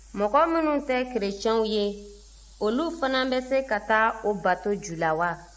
mɔgɔ minnu tɛ kerecɛnw ye olu fana bɛ se ka taa o bato ju la wa